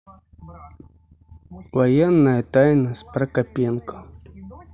военная тайна с прокопенко